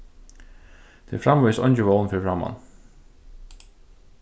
tað er framvegis eingin vón fyri framman